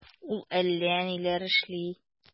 Ул әллә ниләр эшли...